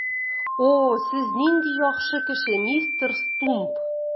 О, сез нинди яхшы кеше, мистер Стумп!